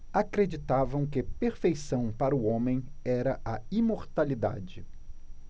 acreditavam que perfeição para o homem era a imortalidade